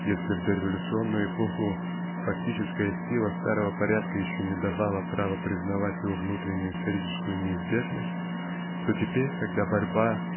Если в дореволюционную эпоху фактическая сила старого порядка еще не давала права признавать его внутреннюю историческую неизбежность то теперь когда борьба